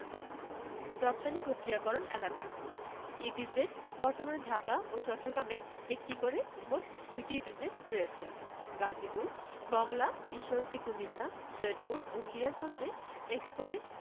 রপ্তানি পক্রিয়াকরণ এলাকাঃ ইপিজেড বর্তমানে ঢাকা ও চট্টগ্রামে একটি করে মোট ২টি ইপিজেড রয়েছে গাজীপুর মংলা ঈশ্বরদী কুমিল্লা সৈয়দপুর ও সিরাজগঞ্জে একটি করে